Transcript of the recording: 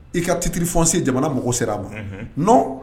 I ka tetiriri fɔsi jamana mɔgɔ sera a ma n